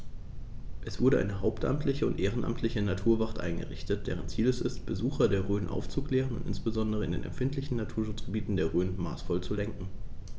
Es wurde eine hauptamtliche und ehrenamtliche Naturwacht eingerichtet, deren Ziel es ist, Besucher der Rhön aufzuklären und insbesondere in den empfindlichen Naturschutzgebieten der Rhön maßvoll zu lenken.